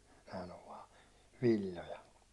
nämähän on vain villoja